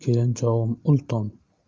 kelin chog'im ulton